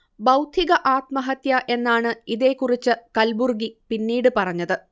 'ബൗദ്ധിക ആത്മഹത്യ' എന്നാണ് ഇതേകുറിച്ച് കൽബുർഗി പിന്നീട് പറഞ്ഞത്